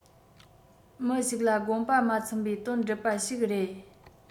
མི ཞིག ལ དགོངས པ མ ཚོམ པའི དོན བསྒྲུབ པ ཞིག རེད